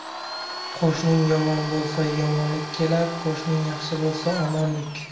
qo'shning yomon bo'lsa yomonlik kelar qo'shning yaxshi bo'lsa omonlik